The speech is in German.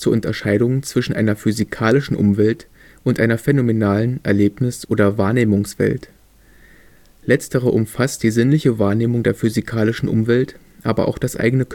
Unterscheidung zwischen einer physikalischen Umwelt und einer phänomenalen Erlebnis - oder Wahrnehmungswelt. Letztere umfasst die sinnliche Wahrnehmung der physikalischen Umwelt, aber auch das eigene